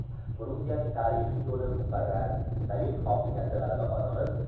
guziyaning tarixiy yo'li muqarrar sovet hokimiyati g'alaba qozonib